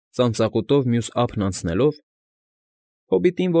Ծանծաղուտով մյուս ափն անցնելով (հոբիտին։